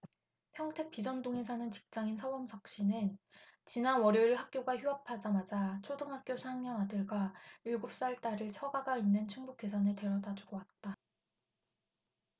평택 비전동에 사는 직장인 서범석씨는 지난 월요일 학교가 휴업하자마자 초등학교 사 학년 아들과 일곱 살 딸을 처가가 있는 충북 괴산에 데려다주고 왔다